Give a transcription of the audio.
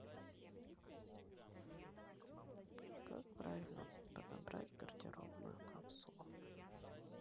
как правильно подобрать гардеробную капсулу